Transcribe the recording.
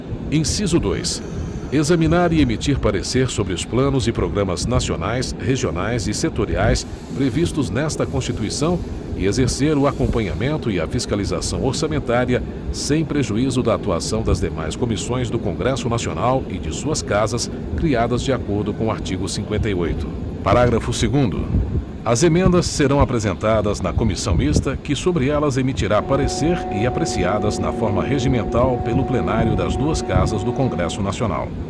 inciso dois examinar e emitir parecer sobre os planos e programas nacionais regionais e setoriais previstos nesta constituição e exercer o acompanhamento e a fiscalização orçamentária sem prejuízo da atuação das demais comissões do congresso nacional e de suas casas criadas de acordo com o artigo cinquenta e oito parágrafo segundo as emendas serão apresentadas na comissão mista que sobre elas emitirá parecer e apreciadas na forma regimental pelo plenário das duas casas do congresso nacional